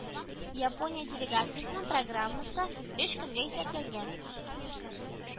Япония делегациясенең программасы өч көнгә исәпләнгән